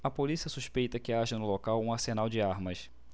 a polícia suspeita que haja no local um arsenal de armas